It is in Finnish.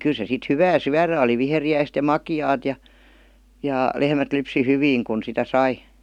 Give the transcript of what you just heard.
kyllä se sitten hyvää syödä oli viheriäistä ja makeaa ja ja lehmät lypsi hyvin kun sitä sai